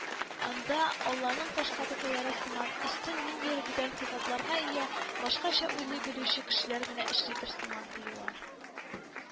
Анда алланың кашка тәкәләре сыман өстен ниндидер бүтән сыйфатларга ия, башкача уйлый белүче кешеләр генә эшлидер сыман тоела